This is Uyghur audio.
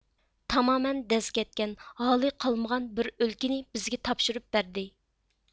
تامامەن دەز كەتكەن ھالى قالمىغان بىر ئۆلكىنى بىزگە تاپشۇرۇپ بەردى